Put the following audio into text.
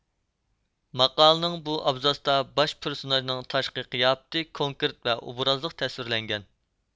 ماقالىنىڭ بۇ ئابزاسىدا باش پېرسوناژنىڭ تاشقى قىياپىتى كونكرېت ۋە ئوبرازلىق تەسۋىرلەنگەن